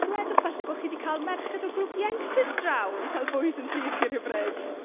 Dwedwch falle bo' chi 'di cael merched o grwp ieuenctid draw i cael bwyd yn tŷ chi rhywbryd.